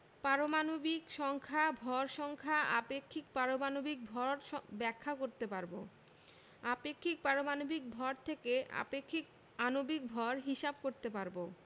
পারমাণবিক সংখ্যা ভর সংখ্যা আপেক্ষিক পারমাণবিক ভর ব্যাখ্যা করতে পারব আপেক্ষিক পারমাণবিক ভর থেকে আপেক্ষিক আণবিক ভর হিসাব করতে পারব